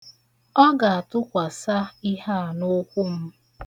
Ọ ga-atụkwàsa ihe a n'ukwu m.